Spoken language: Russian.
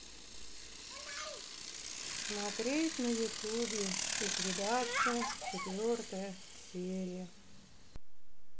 смотреть на ютубе ликвидация четвертая серия